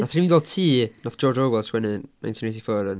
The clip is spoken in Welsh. Wnaethon ni fynd i weld tŷ wnaeth George Orwell sgwennu 1984 yn.